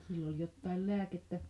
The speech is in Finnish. sillä oli jotakin lääkettä